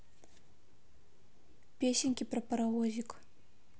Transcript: песенки про паровозик